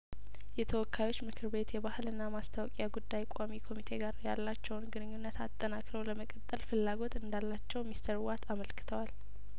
የተወካዮች ምክር ቤት የባህልና ማስታወቂያ ጉዳይ ቋሚ ኮሚቴ ጋር ያላቸውን ግንኙነት አጠናክረው ለመቀጠል ፍላጐት እንዳላቸው ሚስተር ዋት አመልክተዋል